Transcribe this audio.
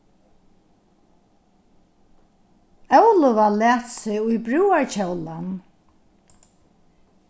óluva læt seg í brúðarkjólan